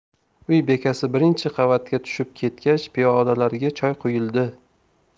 uy bekasi birinchi qavatga tushib ketgach piyolalarga choy quyildi